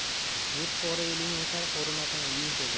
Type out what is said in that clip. yurt qo'ri eling o'sar qo'rimasang uying to'zar